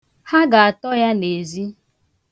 Ha ga-atọ ya n'ezi.